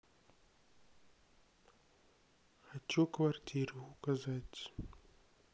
хочу квартиру указать